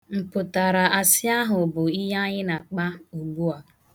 Mpụtara asị ahụ bụ ihe anyị na-akpa ugbua.